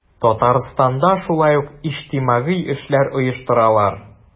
Татарстанда шулай ук иҗтимагый эшләр оештыралар.